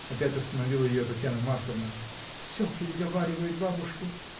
— опять остановила ее Татьяна Марковна, — всё переговаривает бабушку!